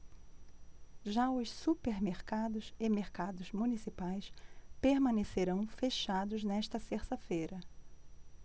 já os supermercados e mercados municipais permanecerão fechados nesta terça-feira